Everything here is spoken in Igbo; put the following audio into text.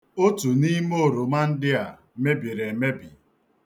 Otu n'ime oroma ndị a mebiri emebi.